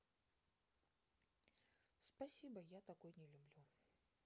спасибо я такой не люблю